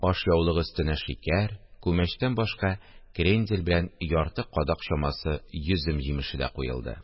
Ашъяулык өстенә шикәр, күмәчтән башка крендель белән ярты кадак чамасы йөзем җимеше дә куелды